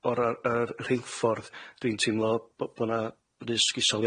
o'r yy yy rheinffordd dwi'n teimlo bo' bo' na risg isal